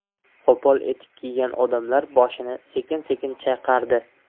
qo'pol etik kiygan odamlar boshini sekin sekin chayqardi